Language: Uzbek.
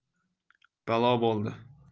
balo bo'ldi